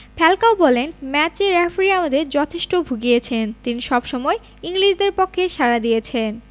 Falcao বলেন ম্যাচে referee আমাদের যথেষ্ট ভুগিয়েছেন তিনি সবসময় ইংলিশদের পক্ষে সাড়া দিয়েছেন